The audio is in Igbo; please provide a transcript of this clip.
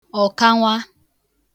ọ̀kanwa